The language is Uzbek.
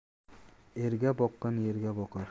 erga boqqan yerga boqar